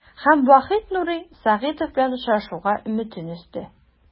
Һәм Вахит Нури Сагитов белән очрашуга өметен өзде.